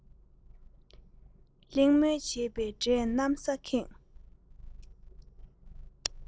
གླེང མོལ བྱེད པའི སྒྲས གནམ ས ཁེངས